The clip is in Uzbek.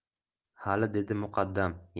hali dedi muqaddam